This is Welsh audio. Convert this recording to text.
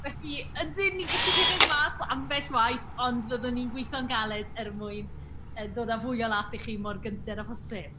Felly ydyn, ni'n gallu rhedeg mas ambell waith, ond fyddwn ni'n gweithio'n galed er mwyn dod â mwy o laeth i chi mor gynted â phosib.